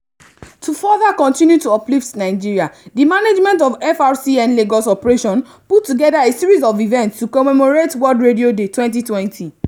To further continue to uplift Nigeria, the management of FRCN Lagos Operations put together a series of events to commemorate World Radio Day 2020.